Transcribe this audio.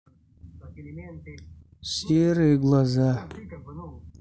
серые глаза